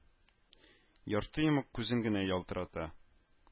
Ярты йомык күзен генә ялтырата